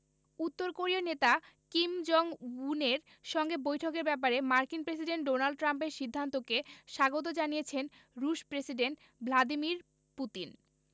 উত্তর কোরীয় নেতা কিম জং উনের সঙ্গে বৈঠকের ব্যাপারে মার্কিন প্রেসিডেন্ট ডোনাল্ড ট্রাম্পের সিদ্ধান্তকে স্বাগত জানিয়েছেন রুশ প্রেসিডেন্ট ভ্লাদিমির পুতিন